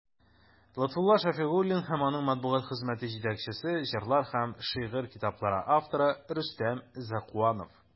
Лотфулла Шәфигуллин һәм аның матбугат хезмәте җитәкчесе, җырлар һәм шигырь китаплары авторы Рөстәм Зәкуанов.